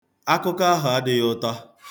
Akụkọ ahụ adịghị ụtọ.